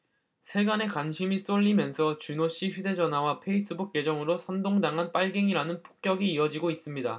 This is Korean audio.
세간의 관심이 쏠리면서 준호씨 휴대전화와 페이스북 계정으로 선동 당한 빨갱이라는 폭격이 이어지고 있습니다